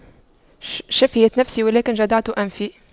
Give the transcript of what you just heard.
شفيت نفسي ولكن جدعت أنفي